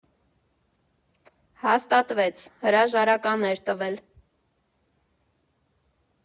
Հաստատվեց՝ հրաժարական էր տվել։